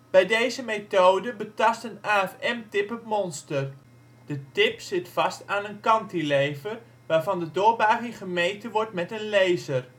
Bij deze methode betast een AFM-tip het monster. De tip zit vast aan een cantilever, waarvan de doorbuiging gemeten wordt met een laser